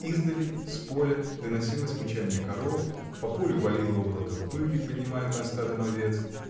Издали, с поля, доносилось мычанье коров, по полю валило облако пыли, поднимаемое стадом овец